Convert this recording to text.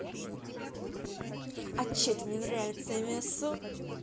а че тебе не нравится мясу